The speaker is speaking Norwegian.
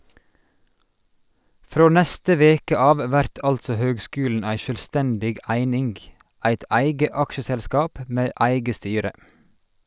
Frå neste veke av vert altså høgskulen ei sjølvstendig eining, eit eige aksjeselskap med eige styre.